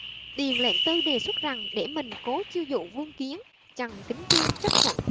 điền lệnh tư đề xuất rằng để mình cố chiêu dụ vương kiến trần kính tuyên chấp thuận